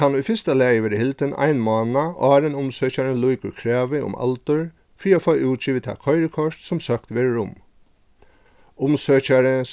kann í fyrsta lagi verða hildin ein mánað áðrenn umsøkjarin lýkur kravið um aldur fyri at fáa útgivið tað koyrikort sum søkt verður um umsøkjari